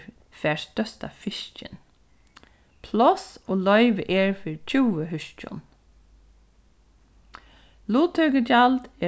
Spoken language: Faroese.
fær størsta fiskin pláss og loyvi er fyri tjúgu húskjum luttøkugjald